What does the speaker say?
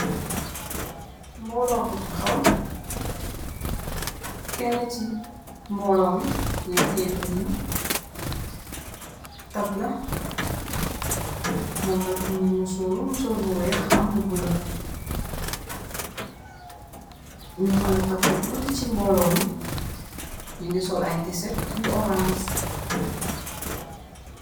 Mboolo bu taxaw kenn ci mboolo me muge teyeh bene tabla moom nak muge musooru musoor bu weex amlu bula ñu xala takko tutti ci mboolo me ni nge sol ay tiset yu orange.